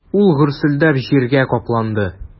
Ул гөрселдәп җиргә капланды.